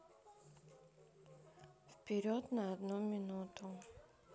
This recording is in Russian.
вперед на одну минуту